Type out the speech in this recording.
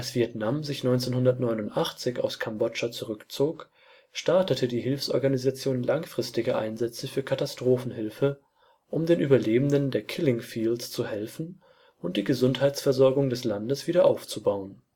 Vietnam sich 1989 aus Kambodscha zurückzog, startete die Hilfsorganisation langfristige Einsätze für Katastrophenhilfe, um den Überlebenden der „ Killing Fields “zu helfen und die Gesundheitsversorgung des Landes wieder aufzubauen